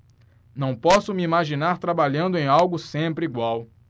não posso me imaginar trabalhando em algo sempre igual